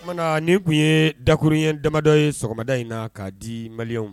Kumana nin kun ye dakuru ɲɛ damadɔ ye sɔgɔmada in na ka di Maliens ma.